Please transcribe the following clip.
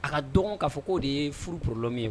A ka dɔn'a fɔ ko o de ye furuurlɔ min ye